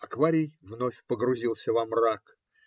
Акварий вновь погрузился в мрак.